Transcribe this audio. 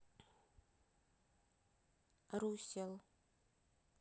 русел